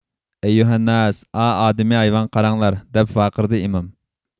ئەييۇھەنناس ئاۋۇ ئادىمىي ھايۋانغا قاراڭلار دەپ ۋارقىرىدى ئىمام